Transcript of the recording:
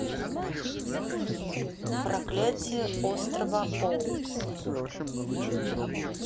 проклятие острова оук